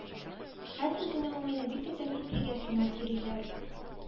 Хәзер генә ул мине бик тә тәртиплегә санап йөриләр.